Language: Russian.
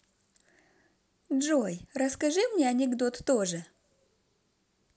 джой расскажи мне анекдот тоже